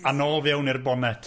... a nôl fewn i'r bonnet.